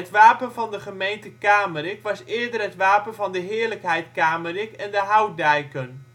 wapen van de gemeente Kamerik was eerder het wapen van de heerlijkheid Kamerik en de Houtdijken